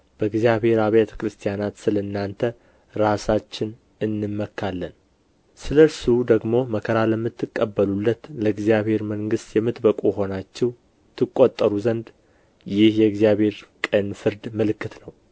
በእግዚአብሔር አብያተ ክርስቲያናት ስለ እናንተ ራሳችን እንመካለን ስለ እርሱ ደግሞ መከራ ለምትቀበሉለት ለእግዚአብሔር መንግሥት የምትበቁ ሆናችሁ ትቈጠሩ ዘንድ ይህ የእግዚአብሔር ቅን ፍርድ ምልክት ነው